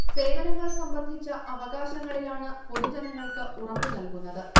സേവനങ്ങൾ സംബന്ധിച്ച അവകാശങ്ങളിലാണ് പൊതുജനങ്ങൾക്ക് ഉറപ്പു നൽകുന്നത്